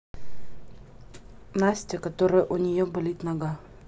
настя которая у нее болит нога